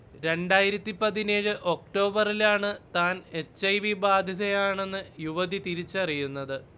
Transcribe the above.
രണ്ടായിരത്തിപതിനേഴ് ഒക്ടോബറിലാണ് താൻ H. I. V ബാധിതയാണെന്ന് യുവതി തിരിച്ചറിയുന്നത്